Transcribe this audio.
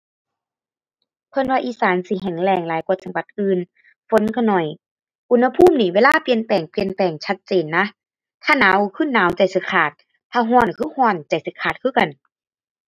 เพิ่นว่าอีสานสิแห้งแล้งหลายกว่าจังหวัดอื่น ฝนก็น้อย อุณหภูมินี่เวลาเปลี่ยนแปลง เปลี่ยนแปลงชัดเจนนะ ถ้าหนาวคือหนาวใจสิขาด ถ้าก็คือก็ใจสิขาดคือกัน